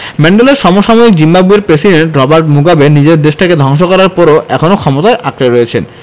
ম্যান্ডেলার সমসাময়িক জিম্বাবুয়ের প্রেসিডেন্ট রবার্ট মুগাবে নিজের দেশটাকে ধ্বংস করার পরও এখনো ক্ষমতা আঁকড়ে রয়েছেন